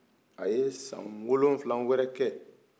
a ye san wolonwula wɛrɛ kɛ